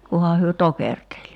kunhan he tokerteli